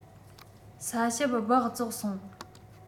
ས ཞབ སྦགས བཙོག སོང